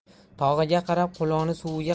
tog'iga qarab quloni